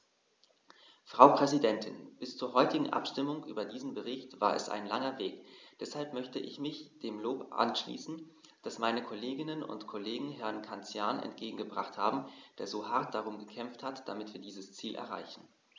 Frau Präsidentin, bis zur heutigen Abstimmung über diesen Bericht war es ein langer Weg, deshalb möchte ich mich dem Lob anschließen, das meine Kolleginnen und Kollegen Herrn Cancian entgegengebracht haben, der so hart darum gekämpft hat, damit wir dieses Ziel erreichen.